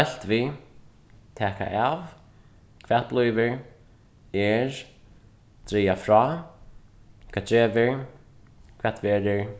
deilt við taka av hvat blívur er draga frá hvat gevur hvat verður